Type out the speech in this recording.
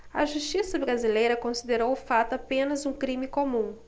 a justiça brasileira considerou o fato apenas um crime comum